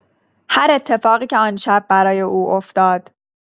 هر اتفاقی که آن شب برای او افتاد